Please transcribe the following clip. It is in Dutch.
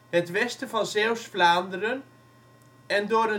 het westen van Zeeuws-Vlaanderen en door